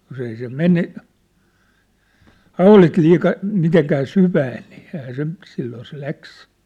jos ei se mene haulit liikaa mitenkään syvään niin eihän se silloin se lähti